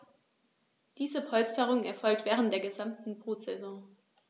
Diese Polsterung erfolgt während der gesamten Brutsaison.